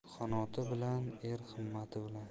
qush qanoti bilan er himmati bilan